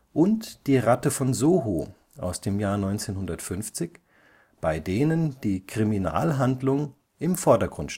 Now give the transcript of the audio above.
und Die Ratte von Soho (1950), bei denen die Kriminalhandlung im Vordergrund